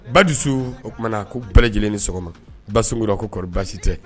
Ba dusu o tumana na ko bɛɛlɛ lajɛlen ni sɔgɔma ba sungo ko kɔrɔ basi tɛ